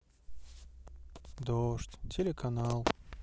дождь телеканал